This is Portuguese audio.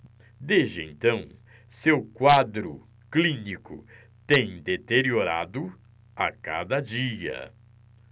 desde então seu quadro clínico tem deteriorado a cada dia